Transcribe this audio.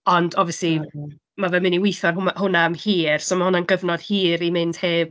Ond obviously ma' fe'n mynd i weitho ar hwm- hwnna am hir. So ma' hwnna'n gyfnod hir i mynd heb.